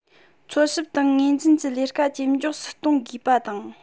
འཚོལ ཞིབ དང ངོས འཛིན གྱི ལས ཀ ཇེ མགྱོགས སུ གཏོང དགོས པ དང